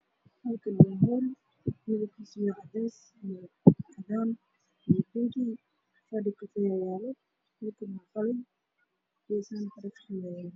Waa hool kuraas ayaa yaalo